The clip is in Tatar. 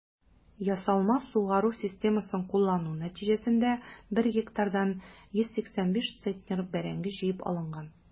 Ясалма сугару системасын куллану нәтиҗәсендә 1 гектардан 185 центнер бәрәңге җыеп алынган.